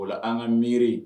O an ka miiri